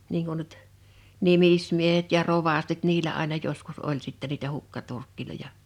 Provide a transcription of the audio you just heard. niin kuin nyt nimismiehet ja rovastit niillä aina joskus oli sitten niitä hukkaturkkeja